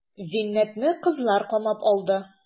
Зиннәтне кызлар камап алды.